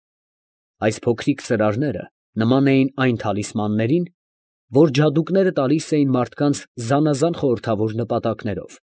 Այս փոքրիկ ծրարները նման էին այն թիլիսմաններին, որ ջադուկները տալիս են մարդկանց զանազան խորհրդավոր նպատակներով։